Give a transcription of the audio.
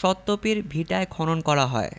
সত্যপীর ভিটায় খনন করা হয়